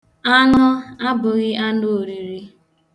Aṅụ abụghị anụ oriri.